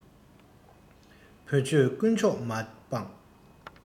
བོད ཆོས དཀོན མཆོག མ སྤངས